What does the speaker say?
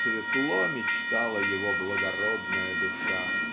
светло мечтала его благородная душа.